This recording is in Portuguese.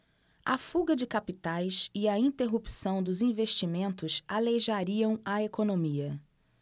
a fuga de capitais e a interrupção dos investimentos aleijariam a economia